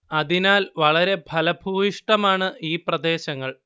അതിനാൽ വളരെ ഫലഭൂയിഷ്ടമാണ് ഈ പ്രദേശങ്ങൾ